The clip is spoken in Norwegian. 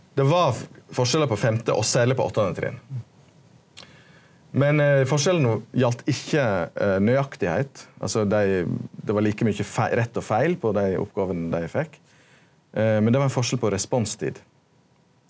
det var forskjellar på femte og særleg på åttande trinn, men forskjellane gjaldt ikkje nøyaktigheit, altså dei det var like mykje rett og feil på dei oppgåvene dei fekk men det var ein forskjell på responstid.